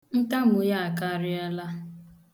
Ntamu ya akarịala.